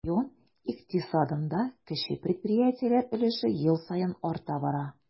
Район икътисадында кече предприятиеләр өлеше ел саен арта бара.